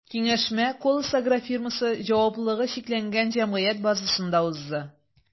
Киңәшмә “Колос” агрофирмасы” ҖЧҖ базасында узды.